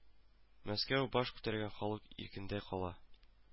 Мәскәү баш күтәргән халык иркендә кала